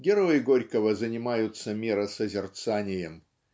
Герои Горького занимаются миросозерцанием.